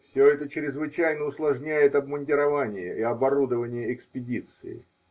Все это чрезвычайно усложняет обмундирование и оборудование экспедиции.